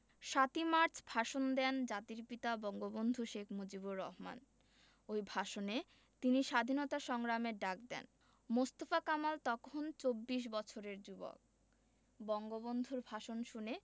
৭ই মার্চ ভাষণ দেন জাতির পিতা বঙ্গবন্ধু শেখ মুজিবুর রহমান ওই ভাষণে তিনি স্বাধীনতা সংগ্রামের ডাক দেন মোস্তফা কামাল তখন চব্বিশ বছরের যুবক বঙ্গবন্ধুর ভাষণ শুনে